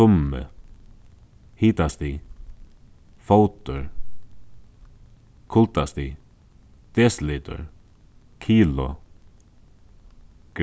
tummi hitastig fótur kuldastig desilitur kilo